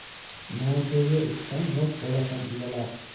nojo'ya ishdan yosh bola ham uyalar